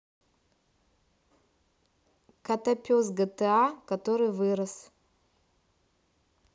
котопес gta который вырос